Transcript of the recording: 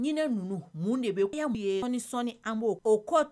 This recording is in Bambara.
Ɲinɛ ninnu, mun de bɔ